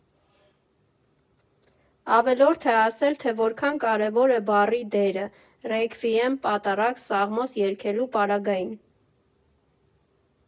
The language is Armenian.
Ավելորդ է ասել, թե որքան կարևոր է բառի դերը՝ ռեքվիեմ, պատարագ, սաղմոս երգելու պարագային։